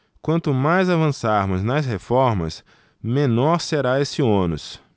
quanto mais avançarmos nas reformas menor será esse ônus